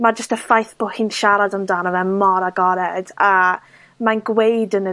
ma' jyst y ffaith bo' hi'n siarad amdano fe mor agored, a, mae'n gweud yn yr